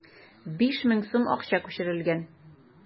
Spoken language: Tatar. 5000 сум күчерелгән.